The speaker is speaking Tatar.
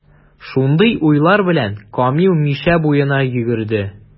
Шундый уйлар белән, Камил Мишә буена йөгерде.